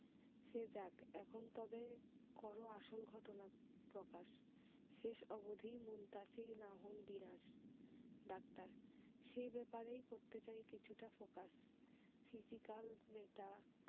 সে যাক এখন তবে করো আসল ঘটনা প্রকাশ শেষ অবধি মুনতাসীর না হন বিনাশ ডাক্তার সে ব্যাপারেই করতে চাই কিছুটা ফোকাস ফিজিক্যাল মেটা